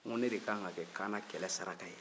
n ko ne de ka kan ka kɛ kaana kɛlɛ saraka ye